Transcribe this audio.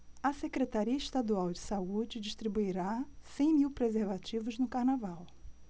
a secretaria estadual de saúde distribuirá cem mil preservativos no carnaval